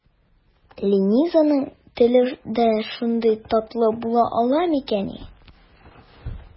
Ленизаның теле дә шундый татлы була ала микәнни?